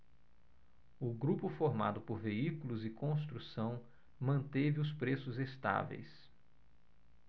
o grupo formado por veículos e construção manteve os preços estáveis